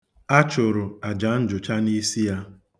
A chụrụ aja njụcha n'isi ya.